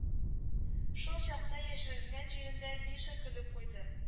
Шул чакта яшеренгән җирендә миша көлеп куйды